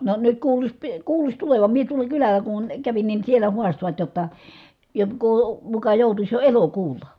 no nyt kuuluisi - kuuluisi tulevan minä tuolla kylällä kun kävin niin siellä haastoivat jotta joko muka joutuisi jo elokuulla